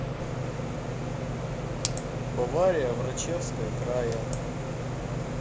бавария врачевской крае